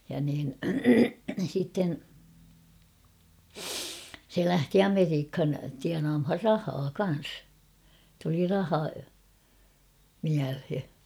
ja niin sitten se lähti Amerikkaan tienaamaan rahaa kanssa tuli raha mieleen